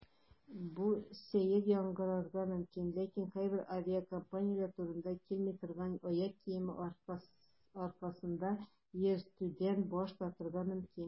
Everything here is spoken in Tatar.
Бу сәер яңгырарга мөмкин, ләкин кайбер авиакомпанияләр туры килми торган аяк киеме аркасында йөртүдән баш тартырга мөмкин.